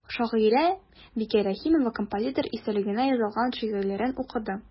Шагыйрә Бикә Рәхимова композитор истәлегенә язылган шигырьләрен укыды.